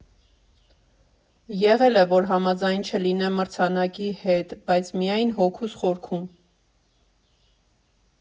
Եղել է, որ համաձայն չլինեմ մրցանակի հետ, բայց՝ միայն հոգուս խորքում։